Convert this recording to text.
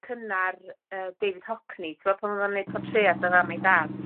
cynnar yy David Hokney t'mod pan odd o'n neud portread o fam ei dad.